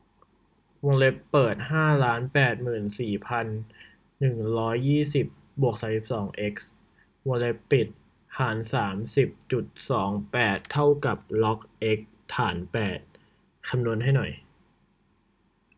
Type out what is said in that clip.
วงเล็บเปิดห้าล้านแปดหมื่นสี่พันหนึ่งร้อยยี่สิบบวกสามสิบสองเอ็กซ์วงเล็บปิดหารสามสิบจุดสองแปดเท่ากับล็อกเอ็กซ์ฐานแปดคำนวณให้หน่อย